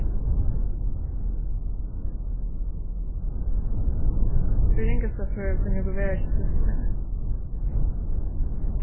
í ringasta føri kunnu okur vera hjá systur míni